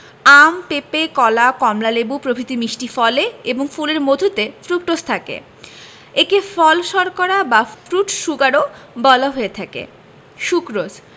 আম পেপে কলা কমলালেবু প্রভৃতি মিষ্টি ফলে এবং ফুলের মধুতে ফ্রুকটোজ থাকে একে ফল শর্করা বা ফ্রুট শুগার বলা হয়ে থাকে সুক্রোজ